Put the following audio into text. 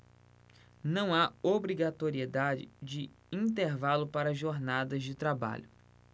não há obrigatoriedade de intervalo para jornadas de trabalho